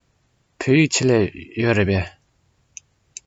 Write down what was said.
བོད ཡིག ཆེད ལས ཡོད རེད པས